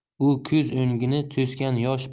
u ko'z o'ngini to'sgan yosh